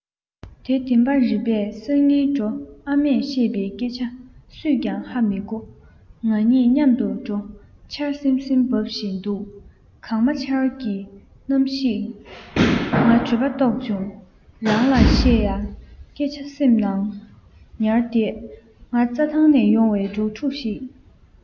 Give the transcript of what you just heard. དེ འདེན པ རེད པས སང ཉིན འགྲོ ཨ མས བཤད པའི སྐད ཆ སུས ཀྱང ཧ མི གོ ང ཉིད མཉམ དུ འགྲོ ཆར སིམ སིམ བབས བཞིན འདུག གངས མ ཆར གི གནམ གཤིས ང གྲོད པ ལྟོགས བྱུང རང ལ བཤད ཡ སྐད ཆ སེམས ནང ཉར བསྡད ང རྩ ཐང ནས ཡོང བའི འབྲོག ཕྲུག ཞིག